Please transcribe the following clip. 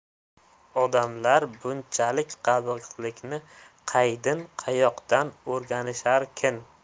odamlar bunchalik qabihlikni qaydin qayoqdan o'rganisharkin